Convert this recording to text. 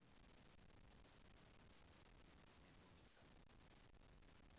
медуница